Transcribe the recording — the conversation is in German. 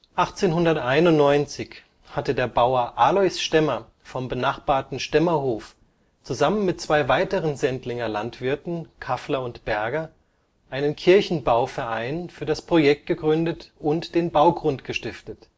1891 hatte der Bauer Alois Stemmer vom benachbarten Stemmerhof zusammen mit zwei weiteren Sendlinger Landwirten, Kaffler und Berger, einen Kirchenbauverein für das Projekt gegründet und den Baugrund gestiftet